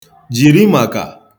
jìri màkà